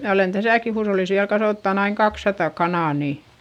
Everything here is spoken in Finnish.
minä olen tässäkin huushollissa vielä kasvattanut aina kaksisataa kanaa ni